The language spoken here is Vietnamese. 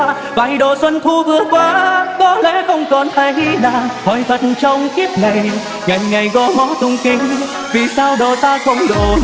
vài độ xuân thu vừa qua có lẽ không còn thấy nàng hỏi phật trong kiếp này ngày ngày gõ mõ tụng kinh vì sao độ ta không độ nàng